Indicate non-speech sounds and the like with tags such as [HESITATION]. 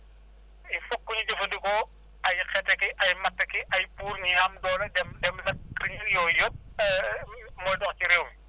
il foog ñu jëfandikoo ay xet a ki ay matt a ki ay pour ñi am doole dem dem leb suñu yooyu yëpp [HESITATION] mooy dox ci réew mi